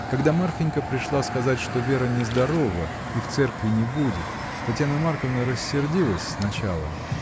Когда Марфинька пришла сказать, что Вера нездорова и в церкви не будет, Татьяна Марковна рассердилась сначала.